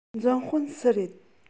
འཛིན དཔོན སུ རེད